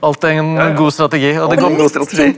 alltid en god strategi .